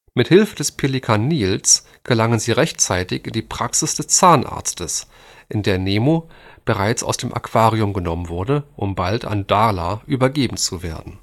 Mit Hilfe des Pelikans Niels gelangen sie rechtzeitig in die Praxis des Zahnarztes, in der Nemo bereits aus dem Aquarium genommen wurde, um bald an Darla übergeben zu werden